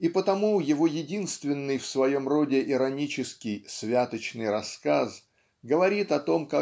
И потому его единственный в своем роде иронический "Святочный рассказ" говорит о том